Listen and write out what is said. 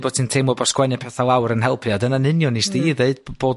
bod hi'n teimlo bo' sgwennu petha lawr yn helpu, a dyna'n union nes di... Hmm. ...ddeud b- bod